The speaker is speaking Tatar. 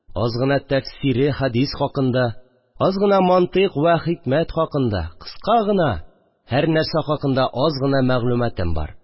Аз гына тәфсире хәдис хакында, аз гына мантыйк вә хикмәт хакында – кыскасы гына, һәр нәрсә хакында аз гына мәгълүматым бар